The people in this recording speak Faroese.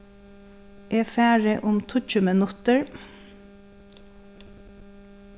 eg fari um tíggju minuttir